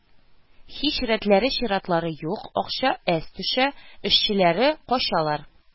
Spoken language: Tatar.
Һич рәтләре-чиратлары юк, акча әз төшә, эшчеләре качалар